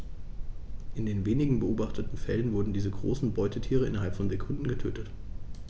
In den wenigen beobachteten Fällen wurden diese großen Beutetiere innerhalb von Sekunden getötet.